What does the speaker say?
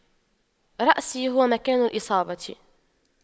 رأسي هو مكان الإصابة